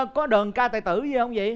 có đờn ca tài tử gì hông dậy